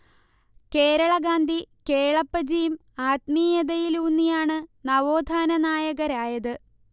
കേരള ഗാന്ധി കേളപ്പജിയും ആത്മീയതയിൽ ഊന്നിയാണ് നവോത്ഥാന നായകരായത്